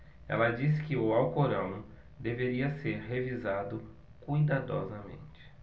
ela disse que o alcorão deveria ser revisado cuidadosamente